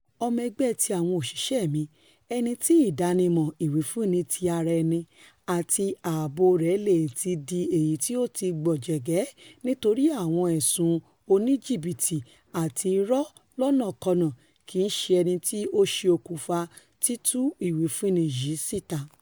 Ọmọ ẹgbẹ́ ti àwọn òṣìṣẹ́ mi - ẹnití ìdánimọ̀, ìwìfúnni ti ara-ẹni, àti ààbò rẹ̀ leè ti di èyití ó ti gbọ̀jẹ̀gẹ́ nítorí àwọn ẹ̀sùn oníjìbìtí ati irọ́ - lọ́nàkọ́nà kìi ṣe ẹnití ó ṣe okùnfà títú ìwífúnni yìí síta.